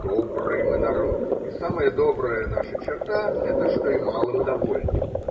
Добрый мы народ, и самая добрая наша черта, это – что и малым довольны.